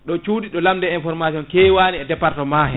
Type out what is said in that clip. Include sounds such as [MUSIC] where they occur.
ɗo cuuɗi ɗo lamde information [SMACKS LIPS] keewani e département he